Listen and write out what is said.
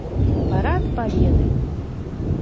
парад победы